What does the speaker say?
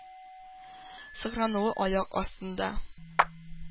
Сыкрануы аяк астыңда.